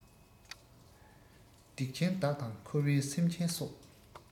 སྡིག ཆེན བདག དང འཁོར བའི སེམས ཅན སོགས